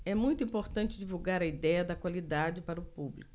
é muito importante divulgar a idéia da qualidade para o público